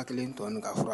A hakili kelen tɔ ka fura